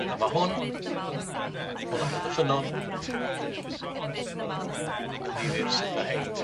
A ma' hwn, o lygad y ffynnon, yn ddifyr sud ma' rhein yn